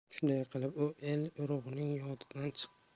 shunday qilib u el urug'ning yodidan chiqgan